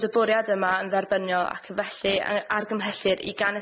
y bwriad yma yn dderbyniol ac felly y- argymhellid i ganiatâu'r